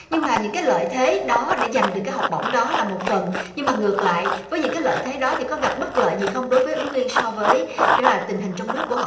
nhưng mà những cái lợi thế đó để dành được cái học bổng đó là một phần nhưng mà ngược lại với những cái lợi thế đó thì có gặp bất lợi gì không đối với ứng viên so với tình hình trong nước của họ